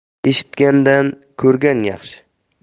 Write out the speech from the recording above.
eshitgandan ko'rgan yaxshi